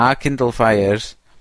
a kindle fires